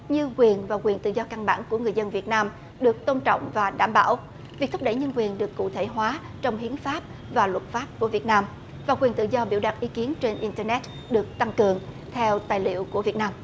như quyền và quyền tự do căn bản của người dân việt nam được tôn trọng và đảm bảo việc thúc đẩy nhân quyền được cụ thể hóa trong hiến pháp và luật pháp của việt nam và quyền tự do biểu đạt ý kiến trên in tơ nét được tăng cường theo tài liệu của việt nam